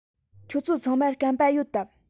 ཁྱོད ཚོ ཚང མར སྐམ པ ཡོད དམ